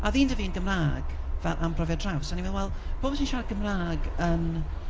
A oedd un 'da fi yn Gymraeg fel am brofiad traws a roeddwn i'n meddwl wel, ma' pobl sy'n siarad Gymraeg yn...